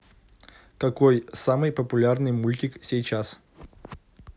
какой самый популярный мультик сейчас